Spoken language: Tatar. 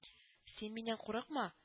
— син миннән курыкма